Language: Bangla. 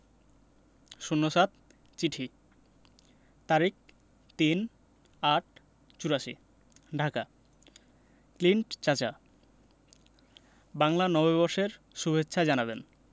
০৭ চিঠি তারিখ ৩-৮-৮৪ ঢাকা ক্লিন্ট চাচা বাংলা নববর্ষের সুভেচ্ছা জানাবেন